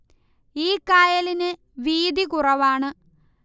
ഈ കായലിന് വീതികുറവാണ്